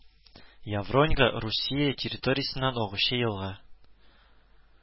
Явроньга Русия территориясеннән агучы елга